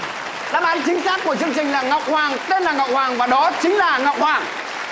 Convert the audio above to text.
đáp án chính xác của chương trình là ngọc hoàng tên là ngọc hoàng và đó chính là ngọc hoàng